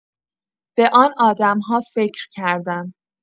به آن آدم‌ها فکر کردم.